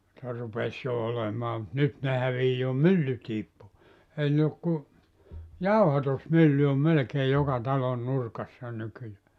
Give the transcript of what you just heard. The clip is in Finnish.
niitä rupesi jo olemaan mutta nyt ne häviää myllytkin pois eihän ne ole kun jauhatusmylly on melkein joka talon nurkassa nykyään